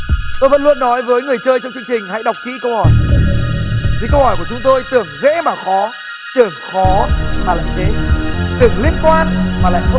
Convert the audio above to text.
tôi vẫn luôn nói với người chơi trong chương trình hãy đọc kỹ câu hỏi vì câu hỏi của chúng tôi tưởng dễ mà khó tưởng khó mà lại dễ tưởng liên quan mà lại không